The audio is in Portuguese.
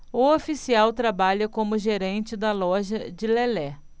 o oficial trabalha como gerente da loja de lelé